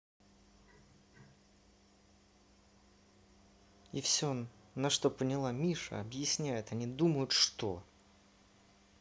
и все на что поняла миша объясняет они думают что